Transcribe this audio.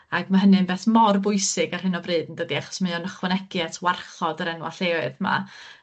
ac ma' hynny'n beth mor bwysig ar hyn o bryd yndydi achos mae o'n ychwanegu at warchod yr enwa' lleoedd 'ma.